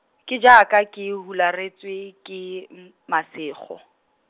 ke jaaka ke hularetswe ke n-, masego.